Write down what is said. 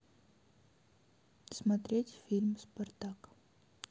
смотреть фильм спартак